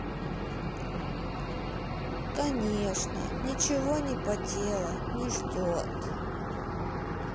конечно ничего не потела не ждет